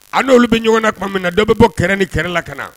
A'olu bɛ ɲɔgɔn na tuma min na dɔw bɛ bɔ kɛrɛn ni kɛlɛ la ka na